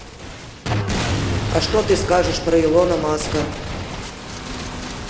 а что ты скажешь про илона маска